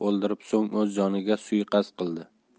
o'ldirib so'ng o'z joniga suiqasd qildi